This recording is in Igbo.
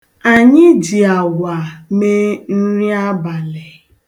Anyị ji agwa mee nri abalị.